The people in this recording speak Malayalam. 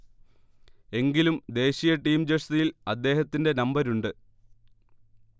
എങ്കിലും, ദേശീയ ടീം ജഴ്സിയിൽ അദ്ദേഹത്തിന്റെ നമ്പരുണ്ട്